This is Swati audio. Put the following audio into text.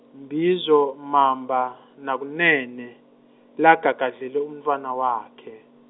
Mbizo, Mamba, naKunene, lagagadlele umntfwana wakhe.